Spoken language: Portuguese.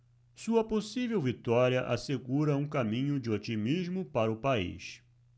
sua possível vitória assegura um caminho de otimismo para o país